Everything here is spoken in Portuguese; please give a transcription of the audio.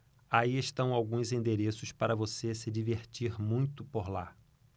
aí estão alguns endereços para você se divertir muito por lá